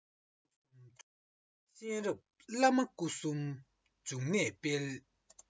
གཤེན རབ བླ མ སྐུ གསུམ འབྱུང གནས དཔལ